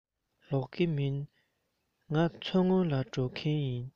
ལོག གི མིན ང མཚོ སྔོན ལ འགྲོ མཁན ཡིན